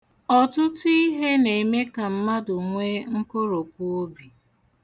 Ọtụtụ ihe na-eme ka mmadụ nwe nkoropuobi.